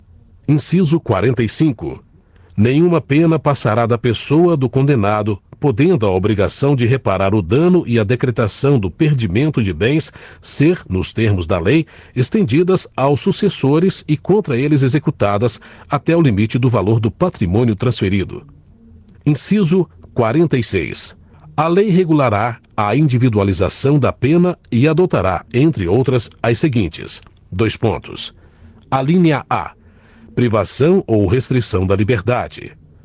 inciso quarenta e cinco nenhuma pena passará da pessoa do condenado podendo a obrigação de reparar o dano e a decretação do perdimento de bens ser nos termos da lei estendidas aos sucessores e contra eles executadas até o limite do valor do patrimônio transferido inciso quarenta e seis a lei regulará a individualização da pena e adotará entre outras as seguintes dois pontos alínea a privação ou restrição da liberdade